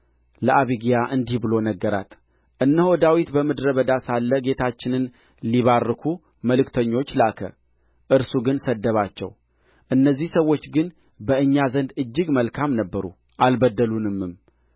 ለአቢግያ እንዲህ ብሎ ነገራት እነሆ ዳዊት በምድረ በዳ ሳለ ጌታችንን ሊባርኩ መልእክተኞች ላከ እርሱ ግን ሰደባቸው እነዚህ ሰዎች ግን በእኛ ዘንድ እጅግ መልካም ነበሩ አልበደሉንምም